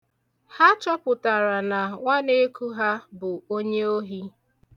Ha chọputara na nwaneku ha bụ onye ohi.